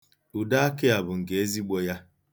Udeakị a bụ nke ezigbo ya.